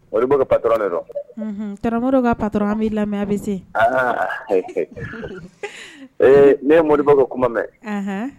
Mɔbɔ ka pat ne dɔrɔn tɔrɔ ka patturaura an'i lamɛn bɛ se ee ne ye mɔnibɔ ka kuma mɛn